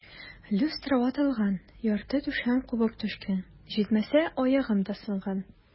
Люстра ватылган, ярты түшәм кубып төшкән, җитмәсә, аягым да сынган.